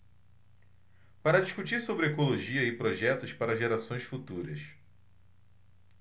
para discutir sobre ecologia e projetos para gerações futuras